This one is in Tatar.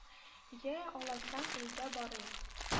— йә, алайсам, әйдә барыйк